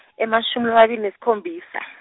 emashumi lamabili nesikhombisa.